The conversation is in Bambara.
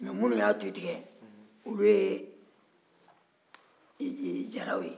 mais minnu y'a tu tigɛ olu ye jaraw ye